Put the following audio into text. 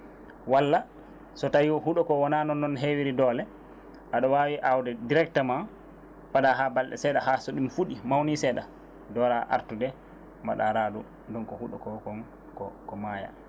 walla so tawi huuɗo ko wonano noon heewiri doole aɗa wawi awde directement paada ha balɗe seeɗa haa so ɗum fuuɗi mawni seeɗa doora artude mbaɗa raaɗo donc huuɗo ko ko ko maaya